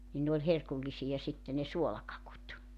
niin ne oli herkullisia sitten ne suolakakut